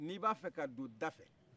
n'i b'a fɛ ka bon da fɛ